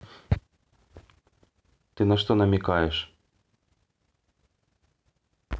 ты на что намекаешь